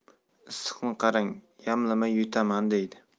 issiqni qarang yamlamay yutaman deydi